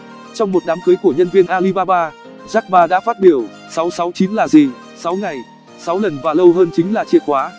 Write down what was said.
trong một đám cưới của nhân viên alibaba jack ma đã phát biểu là gì ngày lần và 'lâu hơn' chính là chìa khóa